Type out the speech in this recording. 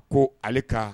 Ko ale ka